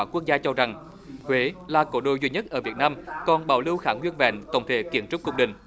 quốc gia cho rằng huế là cố đô duy nhất ở việt nam còn bảo lưu khá nguyên vẹn tổng thể kiến trúc cung đình